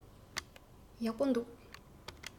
ཡག པོ འདུག